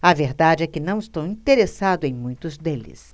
a verdade é que não estou interessado em muitos deles